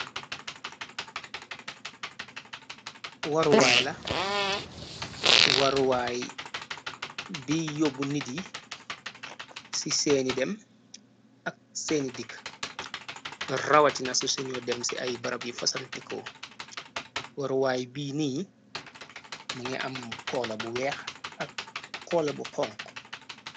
Waruwaay la waruwaay biy yóbb nit yi ci seeni dem. Ak seeni dikk rawatina su siñuo dem ci ay barab yu fasanteko waruwaay biinii. Mu nga am koola bu weex ak koola bu xonk.